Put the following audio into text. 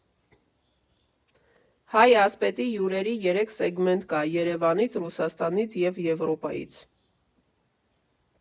«Հայ Ասպետի» հյուրերի երեք սեգմենտ կա՝ Երևանից, Ռուսաստանից և Եվրոպայից։